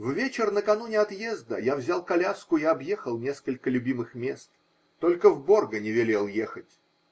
В вечер накануне отъезда я взял коляску и объехал несколько любимых мест, только в Борго не велел ехать.